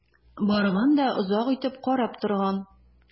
Барган да озак итеп карап торган.